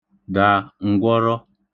dà ǹgwọrọ